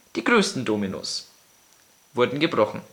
Die größten Dominos - wurde gebrochen